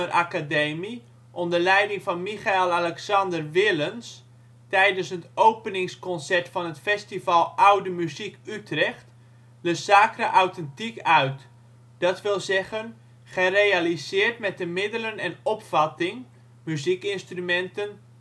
Akademie onder leiding van Michael Alexander Willens tijdens het openingsconcert van het Festival Oude Muziek Utrecht Le Sacre ' authentiek ' uit, dat wil zeggen gerealiseerd met de middelen en opvatting (muziekinstrumenten